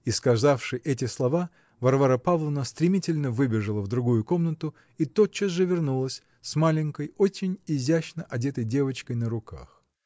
-- И, сказавши эти слова, Варвара Павловна стремительно выбежала в другую комнату и тотчас же вернулась с маленькой, очень изящно одетой девочкой на руках.